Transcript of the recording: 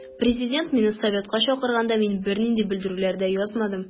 Президент мине советка чакырганда мин бернинди белдерүләр дә язмадым.